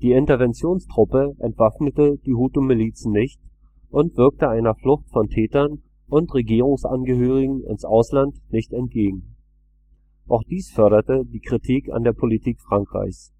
Interventionstruppe entwaffnete die Hutu-Milizen nicht und wirkte einer Flucht von Tätern und Regierungsangehörigen ins Ausland nicht entgegen. Auch dies förderte die Kritik an der Politik Frankreichs